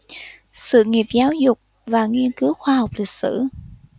sự nghiệp giáo dục và nghiên cứu khoa học lịch sử